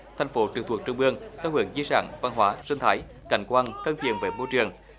thành phố trực thuộc trung ương theo hướng di sản văn hóa sinh thái cảnh quan thân thiện với môi trường